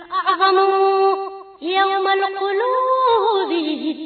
San yamu